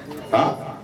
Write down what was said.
A